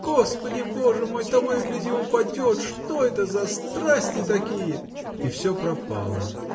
господи боже мой, того и гляди упадет: что это за страсти такие! И все пропало